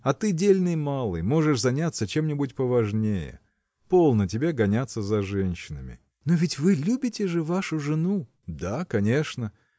А ты дельный малый: можешь заняться чем-нибудь поважнее. Полно тебе гоняться за женщинами. – Но ведь вы любите же вашу жену?. – Да, конечно.